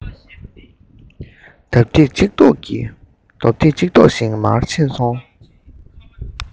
ལྡབ ལྡིབ ཅིག ཟློ བཞིན མར ཕྱིན སོང